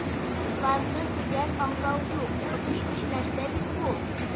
"планны төгәл аңлау юк, коточкыч нәрсә бит бу!"